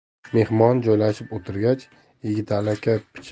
mehmon joylashib o'tirgach yigitali aka picha